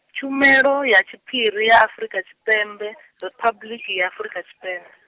Tshumelo ya Tshiphiri ya Afrika Tshipembe, Riphabuḽiki ya Afrika Tshipembe.